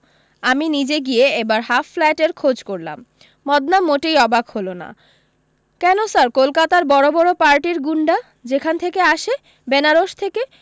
আমি নিজে গিয়ে এবার হাফ ফ্ল্যাটের খোঁজ করলাম মদনা মোটেই অবাক হলো না কেন স্যার কলকাতার বড় বড় পার্টির গুণ্ডা যেখান থেকে আসে বেনারস থেকে